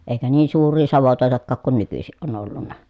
eikä niin suuria savotoitakaan kun nykyisin on ollut